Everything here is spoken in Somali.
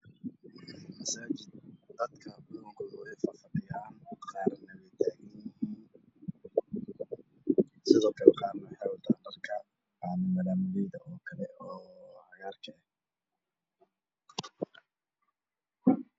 Waa madaajid dadkan way. Fafadhiyaan qaarna waytaagtaaganyihin sidookale qaarna